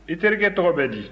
i terikɛ tɔgɔ bɛ di